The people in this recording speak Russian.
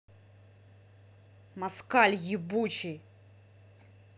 москаль ебучий